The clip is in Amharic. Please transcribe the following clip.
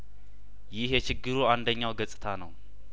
ይህ የችግሩ አንደኛው ገጽታ ነው